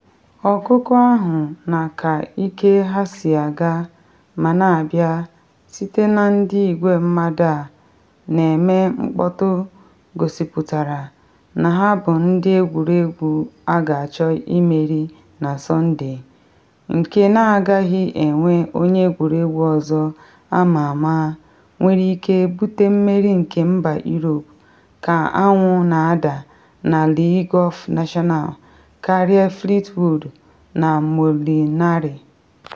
Ọkụkụ ahụ, na ka ike ha si aga ma na-abịa site na ndị igwe mmadụ a na-eme mkpọtụ gosipụtara na ha bụ ndị egwuregwu a ga-achọ imeri na Sọnde, nke n’agaghị enwe onye egwuregwu ọzọ ama ama nwere ike bute mmeri nke mba Europe ka anwụ na-ada na Le Golf National karịa Fleetwood na Molinari.